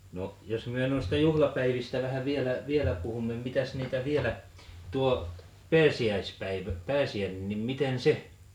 no jos me noista juhlapäivistä vähän vielä vielä puhumme mitäs niitä vielä tuo - pääsiäinen niin miten se